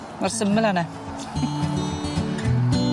Mor syml â 'na.